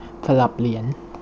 สลับเหรียญ